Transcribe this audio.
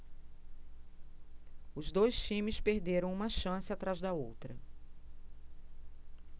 os dois times perderam uma chance atrás da outra